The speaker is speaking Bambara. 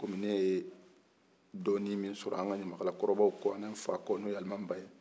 comme ne ye dɔni min sɔrɔ an ka ɲamakala kɔrɔbaw kɔ ani nfa kɔ n'o ye alimamy bah